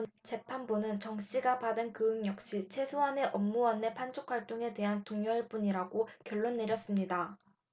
재판부는 정씨가 받은 교육 역시 최소한의 업무 안내 판촉활동에 대한 독려일 뿐이라고 결론 내렸습니다